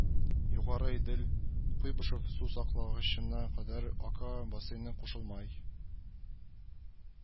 Югары Идел, Куйбышев сусаклагычына кадәр Ока бассейны кушылмай